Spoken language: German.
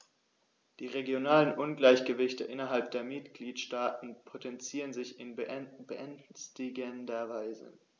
Die regionalen Ungleichgewichte innerhalb der Mitgliedstaaten potenzieren sich in beängstigender Weise.